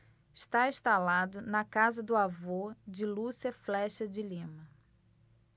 está instalado na casa do avô de lúcia flexa de lima